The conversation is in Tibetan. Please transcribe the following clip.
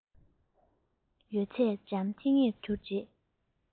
ཡོད ཚད འཇམ ཐིང ངེར གྱུར རྗེས